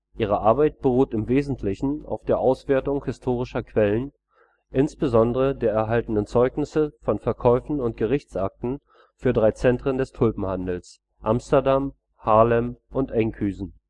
Ihre Arbeit beruht im Wesentlichen auf der Auswertung historischer Quellen, insbesondere der erhaltenen Zeugnisse von Verkäufen und Gerichtsakten für drei Zentren des Tulpenhandels: Amsterdam, Haarlem und Enkhuizen